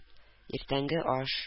Иртәнге аш